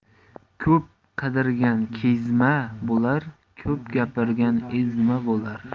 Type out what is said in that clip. ko'p qidirgan kezma bo'lar ko'p gapirgan ezma bo'lar